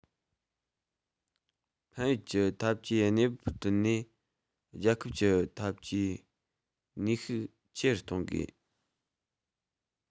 ༄༅ ཕན ཡོད ཀྱི འཐབ ཇུས གནས བབ བསྐྲུན ནས རྒྱལ ཁབ ཀྱི འཐུབ ཇུས ནུས ཤུགས ཆེ རུ གཏོང དགོས